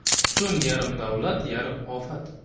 husn yarim davlat yarim ofat